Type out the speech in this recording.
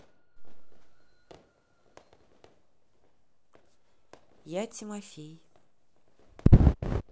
я тимофей